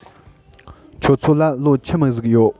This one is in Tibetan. ཁྱོད ཚོ འ ལ ལོ ཆི མོ ཟིག ཡོད